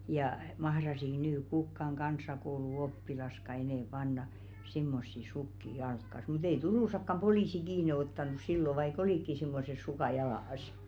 ja mahtaisivatko nyt kukaan kansakouluoppilaskaan enää panna semmoisia sukkia jalkaansa mutta ei Turussakaan poliisi kiinni ottanut silloin vaikka olikin semmoiset sukat jalassa